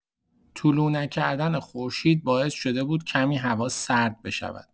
طلوع‌نکردن خورشید باعث شده بود کمی هوا سرد بشود.